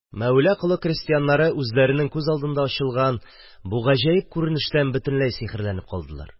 Мәүлә Колы крәстиәннәре үзләренең күз алдында ачылган бу гаҗәеп күренештән бөтенләй сихерләнеп калдылар.